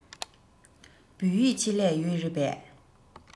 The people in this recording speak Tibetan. བོད ཡིག ཆེད ལས ཡོད རེད པས